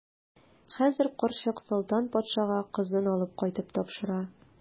Хәзер карчык Солтан патшага кызын алып кайтып тапшыра.